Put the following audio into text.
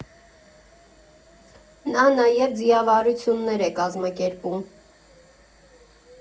Նա նաև ձիավարություններ է կազմակերպում։